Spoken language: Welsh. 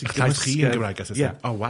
Y'ch llais chi yn Gymraeg a Sysneg. Ia. O waw.